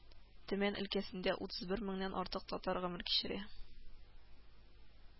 Төмән өлкәсендә утыз бер меңнән артык татар гомер кичерә